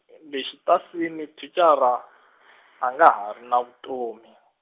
le xitasini thicara, a nga ha ri na vutomi.